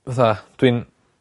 fatha dwi'n